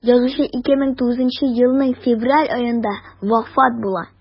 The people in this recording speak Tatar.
Язучы 2009 елның февраль аенда вафат була.